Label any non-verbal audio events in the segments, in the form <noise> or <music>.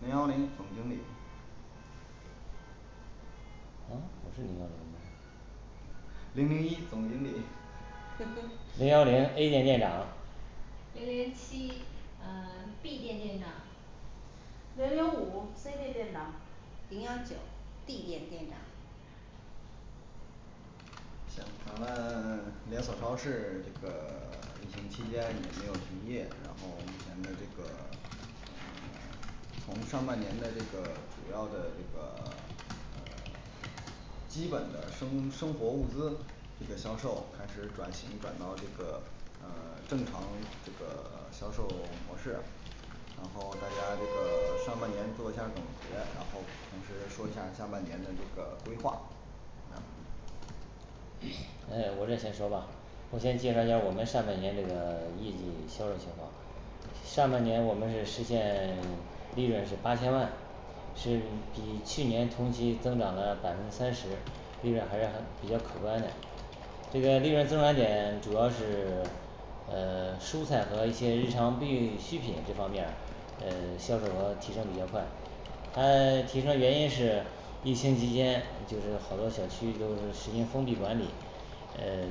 零幺零总经理嗯我是零幺零啊零零一总经理，零幺 <noise> 零A店店长零零七嗯 <silence> B店店长零零五C店店长零幺九D店店长行咱们 <silence> 连锁超市 <silence> 这个 <silence> 疫情期间也没有停业，然后也没有这个 <silence> 从上半年的这个 <silence> 主要的这个 <silence> 基本的生生活物资基本销售开始转型转到这个呃正常这个销售类模式然后大家这个上半年做一下儿总结，然后同时说一下儿下半年的这个规划。呃我来先说吧我先介绍一下我们上半年这个业绩销售情况，上半年我们是实现 <silence> 利润是八千万，是比去年同期增长了百分之三十，利润还是很比较可观的。这个利润增长点主要是 <silence> 呃蔬菜和一些日常必需品这方面儿，呃销售额提升比较快。他 <silence> 其中的原因是疫情期间就是好多小区都实行封闭管理，呃 <silence>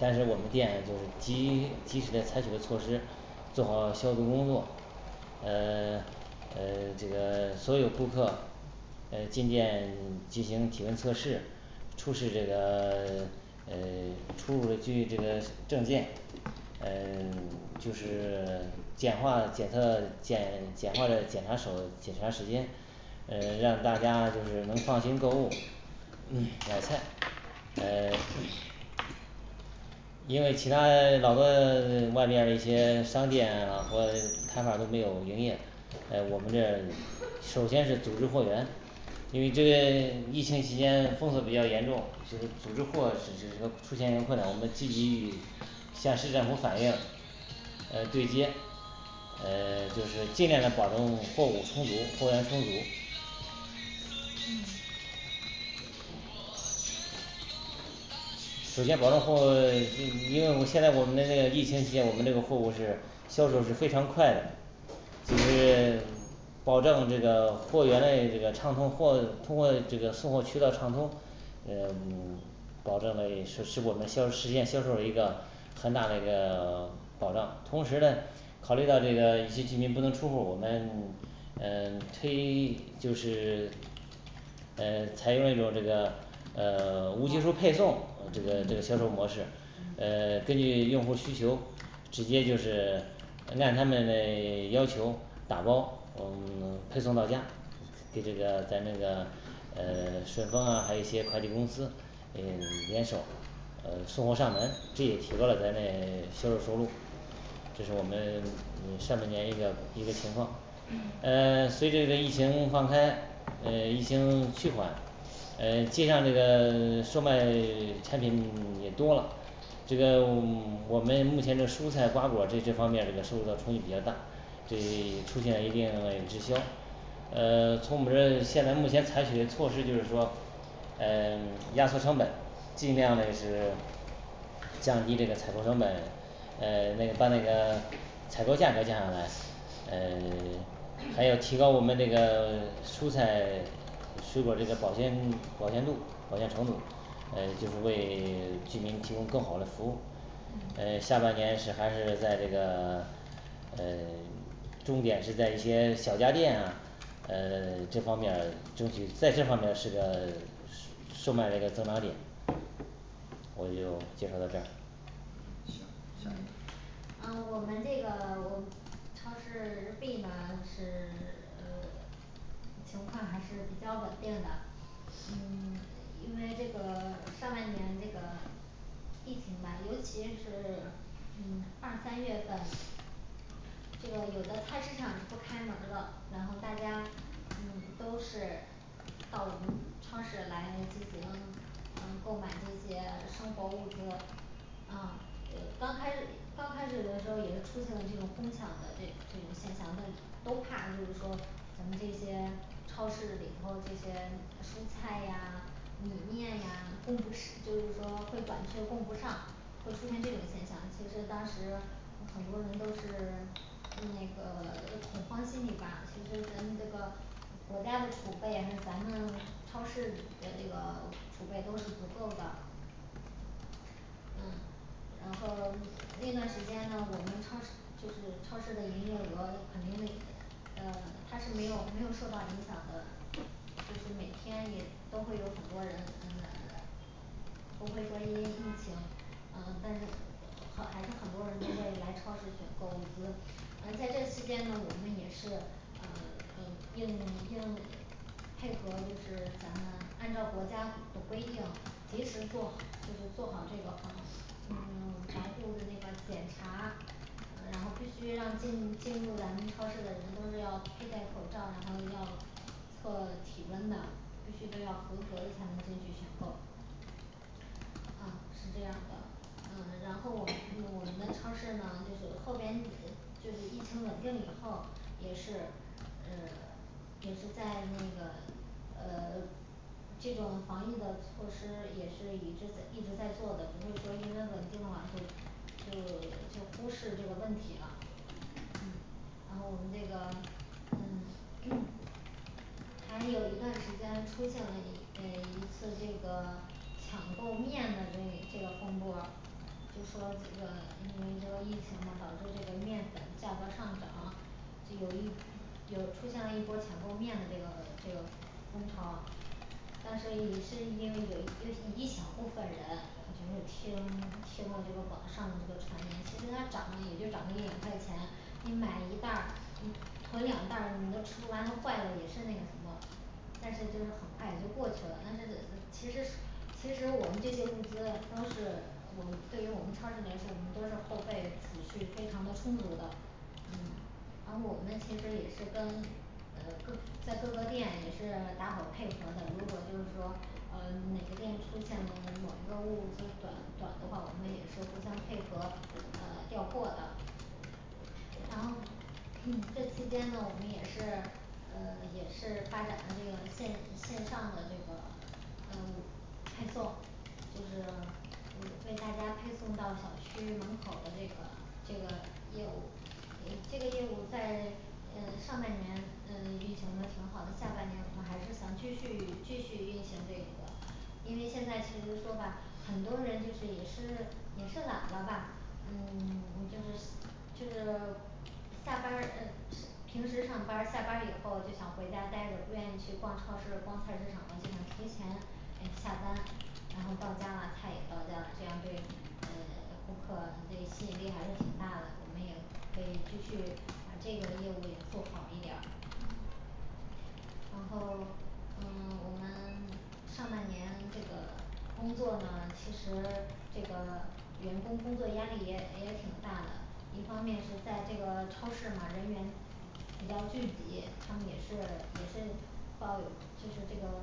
但是我们店呢就及于及时的采取了措施，做好消毒工作呃 <silence> 呃这个所有顾客呃进店进行体温测试，出示这个 <silence> 呃出入的居民这个证件，呃 <silence> 就是 <silence> 简化检测，简简化的检查手检查时间，呃 <silence> 让大家就是 <silence> 能放心购物，买菜呃 <silence> <hesitation> 因为其他 <silence> 老多 <silence> 外边儿的一些商店啊或摊贩儿都没有营业，呃我们这儿首先是组织货源，因为这疫情期间封锁比较严重，就是组织货就是说出现一个困难，我们积极与向市政府反映呃对接，呃就是尽量的保证货物充足，货源充足，嗯首先保证货物， <silence> 这因为我现在我们这个疫情期间，我们这个货物是销售是非常快的，因为 <silence> 保证这个货源嘞这个畅通货通货这个送货渠道畅通呃嗯 <silence> 保证了也是是我们销实现销售的一个很大的一个 <silence> 保障，同时呢考虑到这个一些居民不能出户儿，我们 <silence> 嗯 <silence> 推 <silence> 就是 <silence> 呃采用了种这个呃 <silence> 物业收配送这个这个销售模式对嗯，嗯呃根据用户需求，直接就是按他们嘞要求打包嗯配送到家给这个咱这个呃顺丰啊还有一些快递公司嗯联手呃送货上门，这也提高了咱的 <silence> 销售收入。 这是我们上半年一个一个情况，呃嗯随着这个疫情放开，呃疫情去缓呃 <silence> 街上这个 <silence> 售卖 <silence> 产品 <silence> 也多了，这个 <silence> 我们目前的蔬菜瓜果儿这些方面这个收入的收益比较大，这出现了一定嘞滞销呃从我们的现在目前采取的措施就是说，呃压缩成本，尽量嘞是 <silence> 降低这个采购成本，呃那个把那个采购价格降下来，呃 <silence> 还要提高我们这个蔬菜 <silence> 水果这个保鲜保鲜度保鲜程度，呃就是为 <silence> 居民提供更好的服务。呃嗯下半年是还是在这个 <silence> 呃 <silence> 重点是在一些小家电啊呃 <silence> 这方面儿，争取在这方面儿是个是 <unintelligible> 售卖的一个增长点。我就介绍到这儿。嗯行，下嗯一个。嗯我们这个 <silence> 我超市B呢是 <silence> 呃 <silence> 情况还是比较稳定的，嗯因为这个上半年这个疫情吧，尤其是嗯二三月份这个有的菜市场是不开门儿的，然后大家嗯都是到我们超市来进行购买这些生活物资。啊也 <unintelligible> 刚开刚开始的时候也是出现了这种哄抢的这这种现象，但都怕就是说咱们这些超市里头这些蔬菜呀米面呀供不是， <unintelligible> 就是说会短缺供不上，会出现这种现象。其实当时很多人都是那个有恐慌心理吧，其实咱们这个国家的储备还是咱们超市的那个储备都是足够的。嗯然后那段时间呢我们超市就是超市的营业额肯定的呃他是没有没有受到影响的，就是每天也都会有很多人嗯 <silence> 来不会说因为疫情，嗯但是好 <unintelligible> 还是很多人都会来超市 <hesitation> 选购物资。啊在这期间呢我们也是呃呃应应配合就是咱们按照国家的规定及时做好就是做好这个防嗯防护的那个检查然后必须让进进入咱们超市的人都是要配戴口罩，然后要测体温的，必须得要合格的才能进去选购。嗯是这样的。 嗯然后我们我们的超市呢就是后边就是疫情稳定以后，也是嗯也是在那个呃这种防御的措施也是一直一直在做的，不会说因为稳定了就就就忽视这个问题了。嗯然后我们这个嗯 <crosstalk> 还有一段时间出现了一呃一次这个抢购面的这这个风波儿，就说这个因为这个疫情嘛导致这个面粉价格上涨，这有一有出现了一波儿抢购面的这个这个风潮但是也是因为有一一小部分人就是听听到这个网上的这个传言，其实它涨了也就涨了一两块钱，你买一袋儿你屯两袋儿你都吃不完，都坏了也是那个什么，但是就是很快也就过去了，但是其实其实我们这些物资都是我对于我们超市来说，我们都是后备储蓄非常的充足的，嗯然后我们其实也是跟嗯各在各个店也是打好配合的，如果就是说呃哪个店出现了某一个物资短短的话，我们也是互相配合，呃调货的。然后 <hesitation> 这期间呢我们也是呃也是发展的这个线线上的这个呃派送就是呃为大家配送到小区门口儿的这个这个业务，呃这个业务在嗯上半年嗯运行的挺好的，下半年我们还是想继续继续运行这个 <silence> 因为现在其实说吧很多人就是也是也是懒了吧，嗯 <silence> 你就是就是 <silence> 下班儿嗯平时上班儿下班儿以后就想回家呆着，不愿意去逛超市，逛菜市场的就想提前诶下单儿，然后到家了菜也到家了，这样对嗯顾客对吸引力还是挺大的，我们也可以继续把这个业务也做好一点儿&嗯&然后嗯我们上半年这个工作呢其实这个员工工作压力也也挺大的一方面是在这个超市嘛人员比 <unintelligible> 比较聚集，他们也是也是抱有就是这个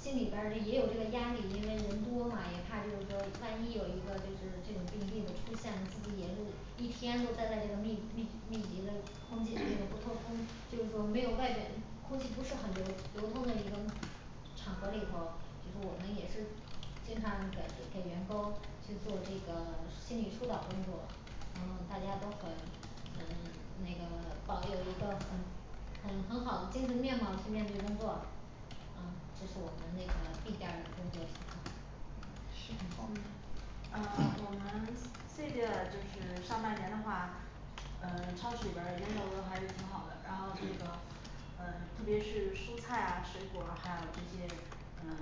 心里边儿这也有这个压力，因为人多嘛也怕就是说万一有一个就是这种病例的出现了，自己也是一天都待在这个密密密集的空间里头不透风，就是说没有外边空气不是很流流通的一个场合里头儿，就是我们也是经常给给员工去做这个心理疏导工作，然后大家都很嗯那个保有一个很很很好精神面貌去面对工作，嗯这是我们那个B店儿的工作情况。嗯行好嗯呃我 <hesitation> 们 C店呢就是上半年的话，嗯超市里边儿人流还是挺好的，然后这个嗯特别是蔬菜啊水果，还有这些嗯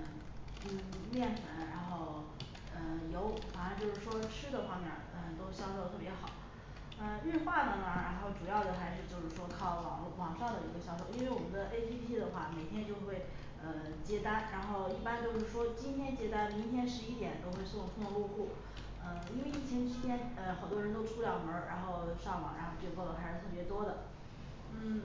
嗯面粉，然后嗯油反正就是说吃的方面儿嗯都销售特别好。嗯日化的呢然后主要的还是就是说靠网络网上的一个销售，因为我们的A P P的话每天就会嗯接单，然后一般就是说今天接单明天十一点都会送送入户，嗯因为疫情期间嗯好多人都出不了门儿，然后上网然后订购的还是特别多的。 嗯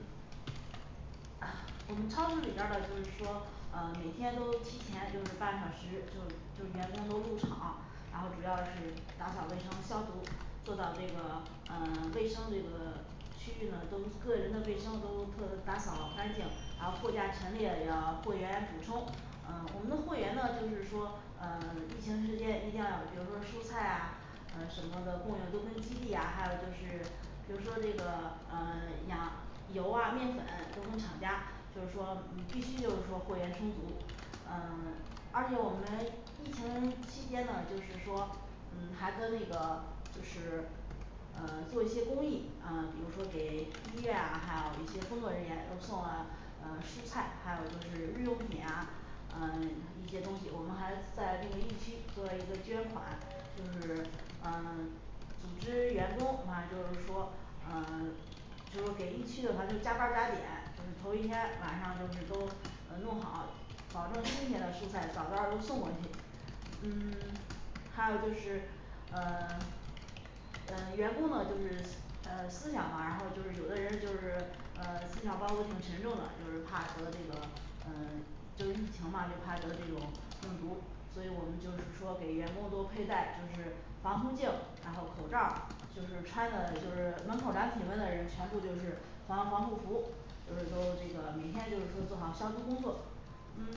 <crosstalk> 我们超市里边儿的就是说嗯每天都提前就是半个小时就是就是员工都入场，然后主要是打扫卫生消毒，做到这个嗯卫生这个区域呢都个人的卫生都特打扫干净，然后货架陈列要货源补充。嗯我们的货源呢就是说呃疫情时间一定要比如说蔬菜啊呃什么的供应都跟基地呀，还有就是比如说这个呃养油啊面粉都跟厂家，就是说必须就是说货源充足，嗯 <silence> 而且我们疫情期间呢就是说嗯还跟那个就是嗯做一些公益，嗯比如说给医院啊还有一些工作人员送啊嗯蔬菜，还有就是日用品啊嗯一些东西，我们还在这个疫区做了一个捐款。就是嗯 <silence> 组织员工的话就是说嗯就是给疫区的话加班儿加点，就是头一天晚上就是都呃弄好，保证新鲜的蔬菜早儿早儿的都送过去。嗯 <silence> 还有就是呃 <silence> 呃员工的就是呃思想吧，然后就是有的人就是呃思想包袱挺沉重的，就是怕得这个呃就是疫情嘛，就怕得这种病毒，所以我们就是说给员工都佩戴就是防空镜然后口罩儿，就是穿的就是门口量体温的人全部就是防防护服，就是都这个每天就是说做好消毒工作。嗯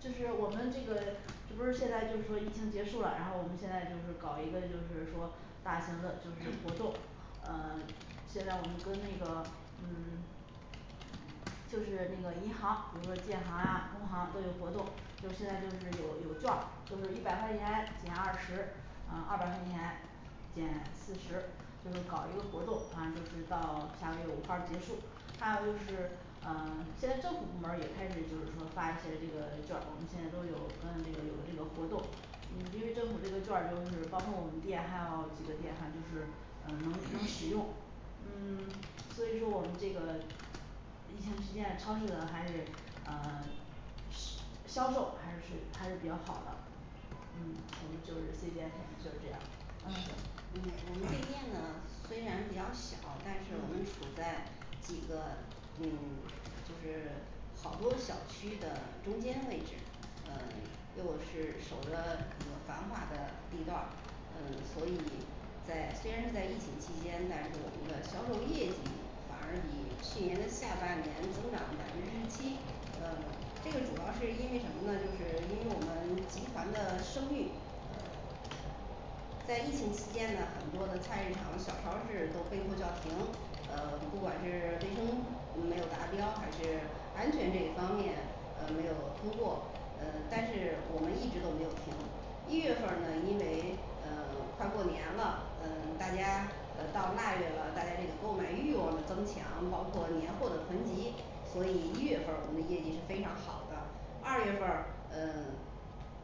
就是我们这个这不是现在就是说疫情结束了，然后我们现在就是搞一个就是说大型的就是活动，嗯现在我们跟那个嗯就是那个银行，比如说建行呀工行都有活动，就是现在就是有有劵儿就是一百块钱减二十，嗯二百块钱减四十就说搞一个活动，反正就是到下个月五号结束还有就是嗯现在政府部门儿也开始就是说发一些这个券儿，我们现在都有跟这个有的这个活动，嗯因为政府这个券儿就是包括我们店还有几个店反正就是嗯能能使用，嗯 <silence> 所以说我们这个疫情期间超市呢还是呃是 <unintelligible> 销售还是还是比较好的嗯我们就是C店全部就是这样，嗯嗯我嗯们行 D店呢虽然比较小，但是我们处在几个嗯就是好多小区的中间位置，嗯又是守着这个繁华的地段儿，嗯所以在虽然在疫情期间，但是我们的销售业绩反而比去年下半年增长了百分之七。呃这个主要是因为什么呢？就是因为我们集团的声誉，呃在疫情期间呢很多的菜市场小超市都被迫叫停，嗯不管是卫生没有达标还是安全这一方面，呃没有通过，呃但是我们一直都没有停。 一月份儿呢因为嗯快过年了，嗯大家呃到腊月了，大家这个购买欲望的增强，包括年货的囤积，所以一月份儿我们的业绩是非常好的。二月份儿嗯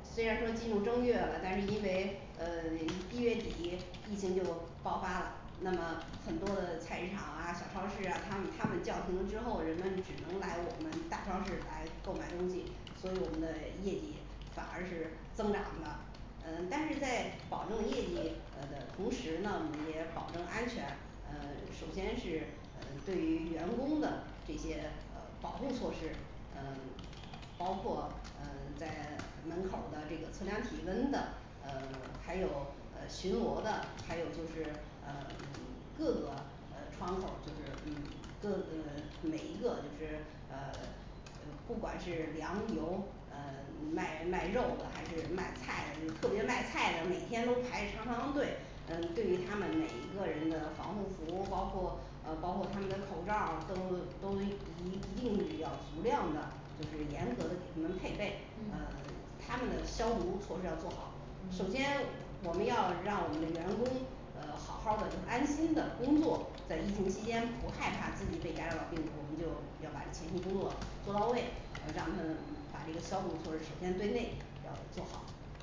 虽然说是进入正月了，但是因为呃一月底疫情就爆发了，那么很多的菜市场啊小超市啊他们他们叫停了之后，人们只能来我们大超市来购买东西，所以我们的业绩反而是增长了，嗯但是在保证业绩的同时呢，我们也保证安全。呃首先是嗯对于员工的这些保护措施嗯包括嗯在门口的这个测量体温的，呃还有呃巡逻的，还有就是呃各个呃窗口儿就是嗯各自每一个就是呃不管是粮油呃卖卖肉的还是卖菜的，特别卖菜的，每天都排长长的队，嗯对于他们每个人的防护服，包括呃包括他们的口罩儿都都一一定要足量的就是严格的给他们配备呃嗯他们的消毒措施要做好。 首先嗯我们要让我们的员工呃好儿好儿的就安心的工作，在疫情期间不害怕自己被感染到病毒，我们就要把前期工作做到位，呃让他们把这个消毒措施首先对内要做好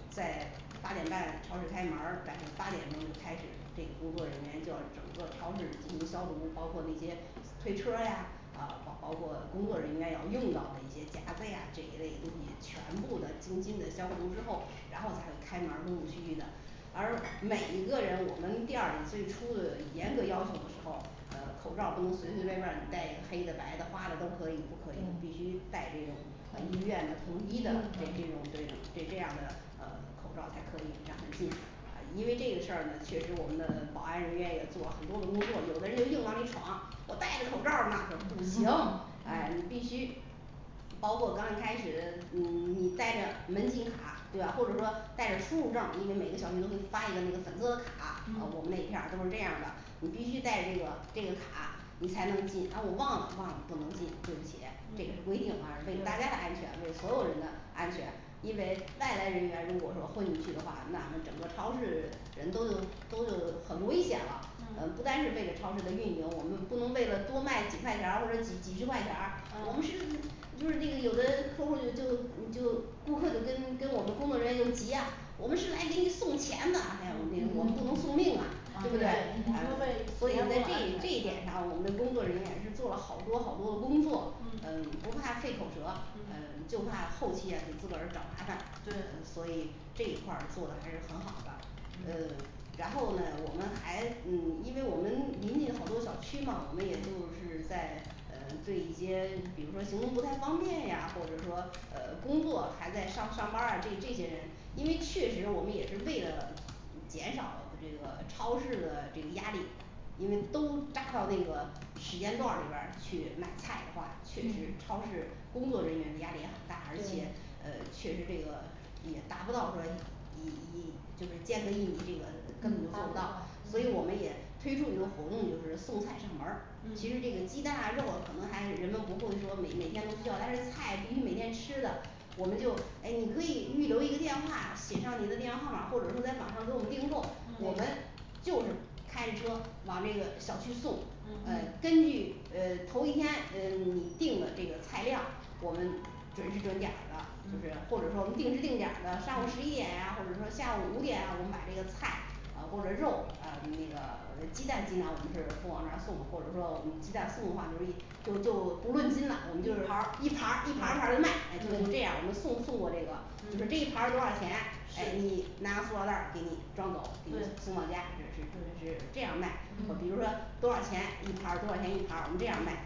在八点半超市开门儿，早晨八点就开始，这个工作人员就要整个超市进行消毒，包括那些推车儿呀，啊包括工作人员要用到的一些夹子呀，这一类东西全部的精心的消毒之后然后才能开门儿陆陆续续的而每一个人我们店儿最初的严格要求的时候，嗯口罩儿不能随随便儿便儿带黑的白的花的都可以，不可以必对须带这种医院的统一的对这种对这这样儿的呃口罩才可以让他进啊因为这个事儿呢确实我们的保安人员也做了很多的工作，有的人硬往里闯，我戴着口罩儿呢怎么着 <noise> 哎你必须包括刚开始你 <silence> 带着门禁卡对吧？ 或者说带着出入证儿，因为每个小区都会发一个那个粉色的卡，啊我那一片儿嗯都是这样儿的，你必须带这个这个卡你才能进，然后我忘了忘了不能进，对不起，这个是规定嗯啊为了大家的安全为了所对有人的安全，因为外来人员如果说混进去的话，那我们整个超市人都都很危险了，呃不嗯单是为了超市的运营，我们不能为了多卖几块钱儿或者几几十块钱儿，我们是嗯就是那个有的客户就就就顾客就跟跟我们工作人员就急啊，我们是来给你送钱的，还有我们这个我们不能送命啊 <noise>，对不嗯对对？所以在这这一点上，我们的工作人员是做了好多好多工作，嗯不怕费口舌，嗯就嗯怕后期也给自个儿找麻烦，所对以这一块儿做得还是很好的。呃嗯然后呢我们还嗯因为我们临近好多小区嘛，我们也就是嗯在呃对一些比如说行动不太方便呀，或者说呃工作还在上上班儿啊这这些人，因为确实我们也是为了减少了这个超市的这个压力，因为都扎到那个时间段儿里边儿去买菜的话，确实超市嗯工作人员的压力也很大，而且呃对确实这个也达不到说一一就是间隔一米这嗯达不个到，所以我们也嗯推出一个活动就是送菜上门儿，其实这个鸡蛋嗯啊肉的可能还人们不会说每每天都需要，但是菜必须每天吃的我们就哎你可以预留一个电话写上你的电话号码，或者说在网上给我们订购我们嗯就是开着车往那个小区送，呃嗯根嗯据呃头一天嗯你定的这个菜料儿，我们准时准点儿的就是，或者嗯说我们定时定点儿的上午十一点呀嗯或者说下午五点，我们把这个菜呃或者肉呃那个鸡蛋尽量我们是不往那儿送，或者说我们鸡蛋送的话就一就就不论斤了，我们就是一盘儿一一盘儿一盘儿的盘卖就哎是这儿样，我们对送送过嗯这个就是这嗯一盘儿多少钱哎你是拿个塑料袋儿给你装走，给你送到对家这是就是这样卖，比如说嗯嗯多少钱一盘儿多少钱一盘儿我们就是这样卖